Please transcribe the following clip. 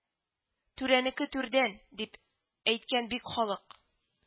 — түрәнеке түрдән, дип әйткән бит халык